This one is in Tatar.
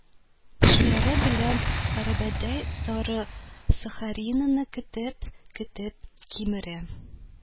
Тешләре белән гәрәбәдәй сары сохарины кетер-кетер кимерә